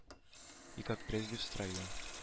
И как прежде в строю